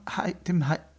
Hai- dim hai-.